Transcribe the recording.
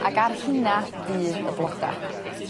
ag ar rhina fydd y bloda.